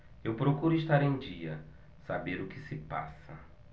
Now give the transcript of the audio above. eu procuro estar em dia saber o que se passa